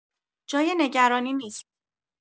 جای نگرانی نیست.